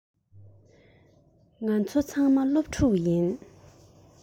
ང ཚོ ཚང མ སློབ ཕྲུག ཡིན